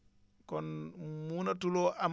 kon munatuloo am